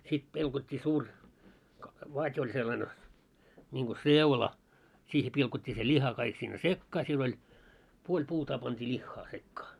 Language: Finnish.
sitten pilkottiin suuri vati oli sellainen niin kuin seula siihen pilkottiin se liha kaikki sinne sekaan siellä oli puoli puutaa pantiin lihaa sekaan